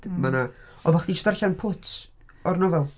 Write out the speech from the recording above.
Mae 'na... Oeddach chdi eisiau darllen pwt o'r nofel?